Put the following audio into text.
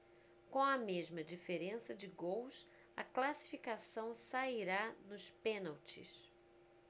com a mesma diferença de gols a classificação sairá nos pênaltis